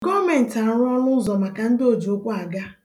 Gọọmentị arụọla ụzọ maka nḍị ojiụkwụaga